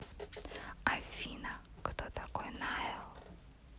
афина кто такой nail